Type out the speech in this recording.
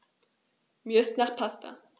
Mir ist nach Pasta.